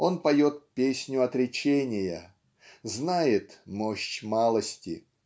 Он поет песню отречения, знает "мощь малости"